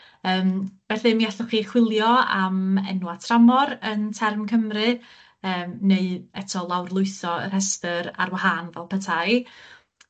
yym felly mi allwch chi chwilio am enwa' tramor yn Term Cymru yym neu eto lawrlwytho y rhestyr ar wahân fel petai.